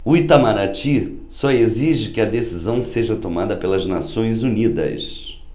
o itamaraty só exige que a decisão seja tomada pelas nações unidas